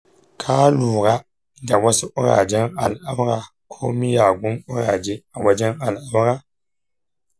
ka lura da wasu ƙurajen al’aura ko miyagun ƙuraje a wajen al’aura?